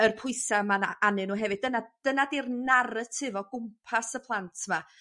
yr pwysa' ma' 'na arnyn nhw hefyd dyna dyna 'di'r naratif o gwmpas y plant 'ma.